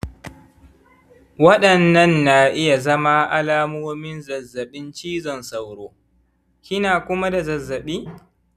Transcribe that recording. waɗannan na iya zama alamomin zazzaɓin cizon sauro, kina kuma da zazzaɓi?